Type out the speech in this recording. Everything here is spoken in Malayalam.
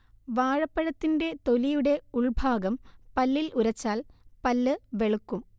വാഴപ്പഴത്തിന്റെ തൊലിയുടെ ഉൾഭാഗം പല്ലിൽ ഉരച്ചാൽ പല്ല് വെളുക്കും